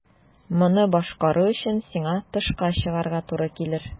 Моны башкару өчен сиңа тышка чыгарга туры килер.